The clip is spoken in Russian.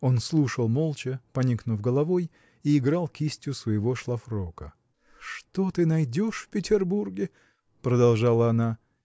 Он слушал молча, поникнув головой, и играл кистью своего шлафрока. – Что ты найдешь в Петербурге? – продолжала она.